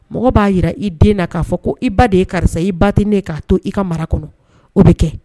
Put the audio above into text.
Mɔgɔ b'a jira i den k'a fɔ ko i ba de ye karisa ye i ba tɛ ne ye k'a to i ka mara kɔnɔ, o bɛ kɛ